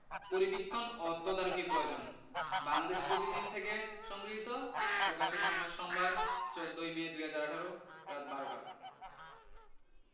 পরিবীক্ষণ ও তদারকি প্রয়োজন বাংলাদেশ প্রতিদিন থেকে সংগৃহীত প্রকাশের সময় সোমবার ১৪ মে ২০১৮ রাত ১২টা